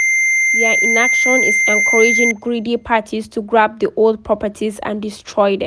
Their inaction is encouraging greedy parties to grab the old properties and destroy them.